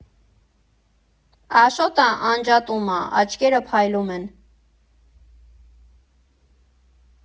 Աշոտը անջատում ա, աչքերը փայլում են։